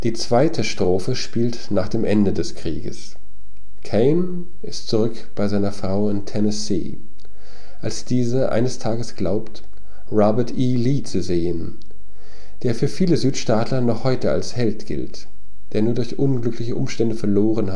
zweite Strophe spielt nach dem Ende des Krieges. Caine ist zurück bei seiner Frau in Tennessee, als diese eines Tages glaubt Robert E. Lee zu sehen, der für viele Südstaatler noch heute als Held gilt, der nur durch unglückliche Umstände verloren